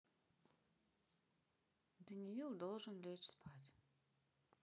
даниил должен лечь спать